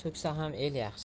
so'ksa ham el yaxshi